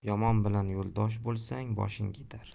yomon bilan yo'ldosh bo'lsang boshing ketar